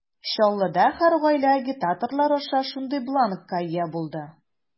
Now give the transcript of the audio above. Чаллыда һәр гаилә агитаторлар аша шундый бланкка ия булды.